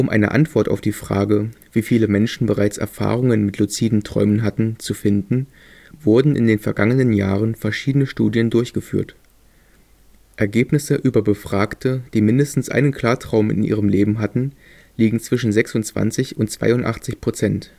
eine Antwort auf die Frage, wie viele Menschen bereits Erfahrungen mit luziden Träumen hatten, zu finden, wurden in den vergangenen Jahren verschiedene Studien durchgeführt. Ergebnisse über Befragte, die mindestens einen Klartraum in ihrem Leben hatten, liegen zwischen 26 % und 82 %